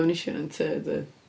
Oedd Efnisien yn turd doedd.